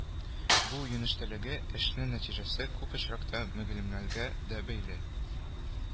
- бу юнештәге эшнең нәтиҗәсе күп очракта мөгалимнәргә дә бәйле